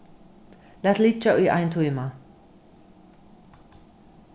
lat liggja í ein tíma